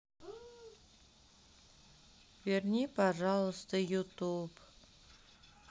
верни пожалуйста ютуб